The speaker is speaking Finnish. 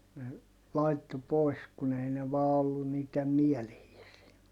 ne laittoi pois kun ei ne vain ollut niiden mieleisiä